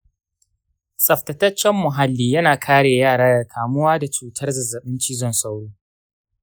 tsaftataccen muhalli yana kare yara daga kamuwa da cutar zazzabin cizon sauro.